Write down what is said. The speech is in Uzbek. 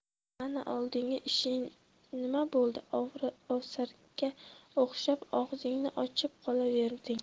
mana oldingi ishing nima bo'ldi ovsarga o'xshab og'zingni ochib qolaverding